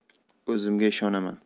o'zimga ishonaman